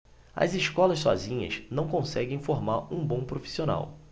as escolas sozinhas não conseguem formar um bom profissional